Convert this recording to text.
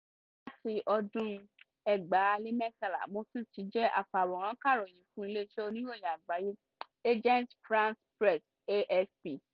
Láti ọdún 2013, mo tún ti jẹ́ afàwòránkọ̀ròyìn fún ilé-iṣẹ́ oníròyìn àgbáyé, Agence France Presse (AFP).